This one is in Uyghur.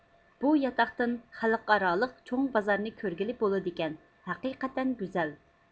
بۇ ياتاقتىن خەلقئارالىق چوڭ بازارنى كۆرگىلى بولىدىكەن ھەقىقەتەن گۈزەل